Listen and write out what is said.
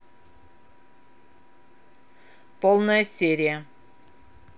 полная серия